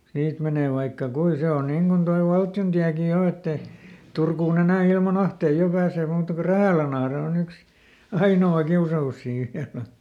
siitä menee vaikka kuinka se on niin kuin tuo valtiontiekin jo että ei Turkuun enää ilman ahteita jo pääsee muuta kuin Rähälänahde on yksi ainoa kiusaus siinä vielä